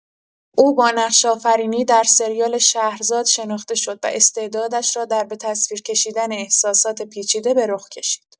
او با نقش‌آفرینی در سریال شهرزاد شناخته شد و استعدادش را در به تصویر کشیدن احساسات پیچیده به رخ کشید.